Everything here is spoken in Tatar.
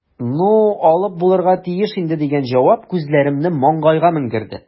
"ну, алып булырга тиеш инде", – дигән җавап күзләремне маңгайга менгерде.